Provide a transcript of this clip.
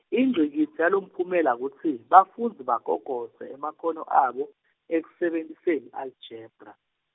ingcikitsi yalomphumela kutsi, bafundzi bagogodze emakhono abo, ekusebentiseni aljebra.